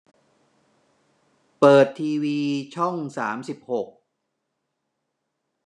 เปิดทีวีช่องสามสิบหก